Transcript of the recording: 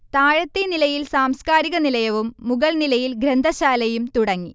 താഴത്തെ നിലയിൽ സാംസ്കാരിക നിലയവും മുകൾനിലയിൽ ഗ്രന്ഥശാലയും തുടങ്ങി